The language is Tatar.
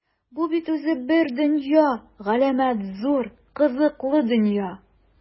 Бу бит үзе бер дөнья - галәмәт зур, кызыклы дөнья!